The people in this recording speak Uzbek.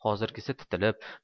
hozirgisi titilib